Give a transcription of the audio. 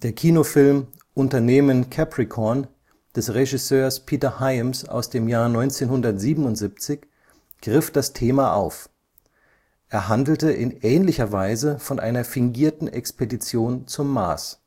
Kinofilm Unternehmen Capricorn (Capricorn One) des Regisseurs Peter Hyams aus dem Jahre 1977 griff das Thema auf. Er handelte in ähnlicher Weise von einer fingierten Expedition zum Mars